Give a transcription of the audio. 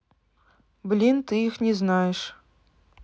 блин ты их не знаешь